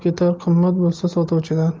ketar qimmat bo'lsa sotuvchidan